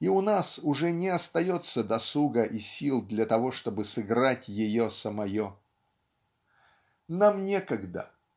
и у нас уже не остается досуга и сил для того чтобы сыграть ее самое. Нам некогда.